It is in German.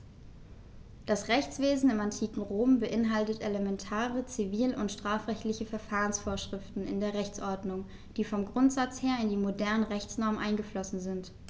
Das Rechtswesen im antiken Rom beinhaltete elementare zivil- und strafrechtliche Verfahrensvorschriften in der Rechtsordnung, die vom Grundsatz her in die modernen Rechtsnormen eingeflossen sind.